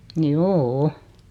joo